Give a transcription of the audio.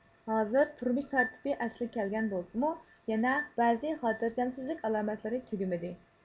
ھازىر تۇرمۇش تەرتىپى ئەسلىگە كەلگەن بولسىمۇ يەنە بەزى خاتىرجەمسىزلىك ئالامەتلىرى تۈگىمىدى